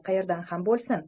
qayerdan ham bo'lsin